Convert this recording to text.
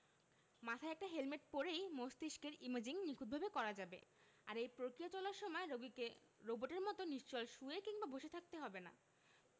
মাথায় একটা হেলমেট পরেই মস্তিষ্কের ইমেজিং নিখুঁতভাবে করা যাবে আর এই প্রক্রিয়া চলার সময় রোগীকে রোবটের মতো নিশ্চল শুয়ে কিংবা বসে থাকতে হবে না